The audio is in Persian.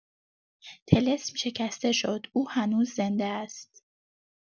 طلسم شکسته شد، او هنوز زنده است!